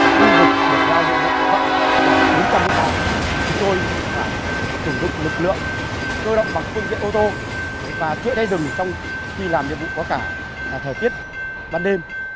và khu vực được giao nhiệm vụ rộng khoảng bốn trăm héc ta chúng tôi phải sử dụng lực lượng cơ động bằng phương tiện ô tô và chữa cháy rừng trong khi làm nhiệm vụ quá cả là thời tiết ban đêm